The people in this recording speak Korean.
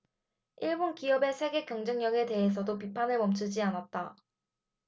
일본 기업의 세계 경쟁력에 대해서도 비판을 멈추지 않았다